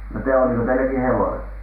no - oliko teilläkin hevonen